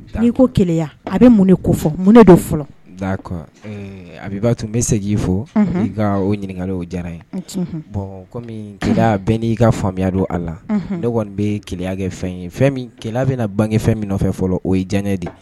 Ba' ko keya a bɛ mun kofɔ munɛ don fɔlɔ a b'a tun bɛ segin' fɔ' ka ɲininka diyara ye bɔn kɔmi kira bɛɛ n'i ka faamuyaya don a la ne kɔni bɛ gɛlɛyakɛ fɛn ye fɛn ke bɛna bange fɛn min nɔfɛ fɔlɔ o ye jan de ye